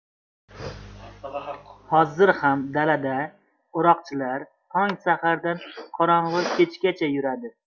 hozir ham dalada o'roqchilar tong sahardan qorong'i kechgacha yuradi